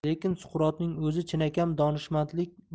lekin suqrotning o'zi chinakam donishmandlik